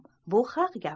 bu haq gap